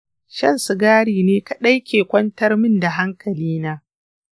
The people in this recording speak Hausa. shan sigari ne kadai ke kwantar min da hankalina.